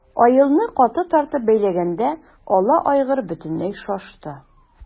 Аелны каты тартып бәйләгәндә ала айгыр бөтенләй шашты.